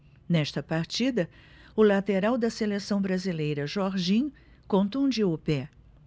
nesta partida o lateral da seleção brasileira jorginho contundiu o pé